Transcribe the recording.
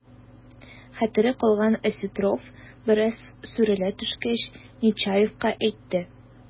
Хәтере калган Осетров, бераз сүрелә төшкәч, Нечаевка әйтте: